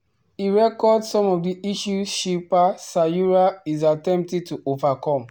He records some of the issues Shilpa Sayura is attempting to overcome.